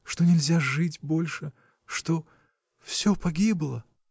— Что нельзя жить больше, что. всё погибло.